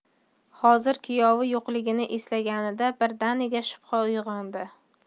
hozir kuyovi yo'qligini eslaganida birdaniga shubha uyg'ondi